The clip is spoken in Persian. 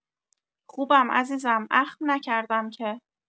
خوبم عزیزم اخم نکردم که